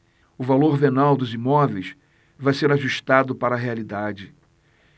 o valor venal dos imóveis vai ser ajustado para a realidade